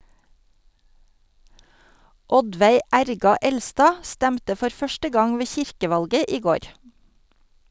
Oddveig Erga Elstad stemte for første gang ved kirkevalget i går.